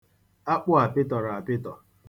Akpụ a pịtọrọ apịtọ.